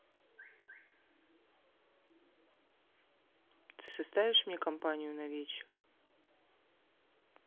ты составишь мне компанию на вечер